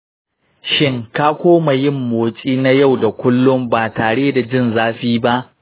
shin ka koma yin motsi na yau da kullum ba tare da jin zafi ba?